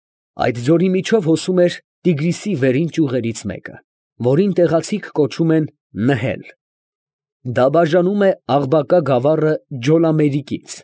Այդ ձորի միջով հոսում էր Տիգրիսի վերին ճյուղերից մեկը, որին տեղացիք կոչում են Նըհել. դա բաժանում է Աղբակա գավառը Ջոլամերիկից։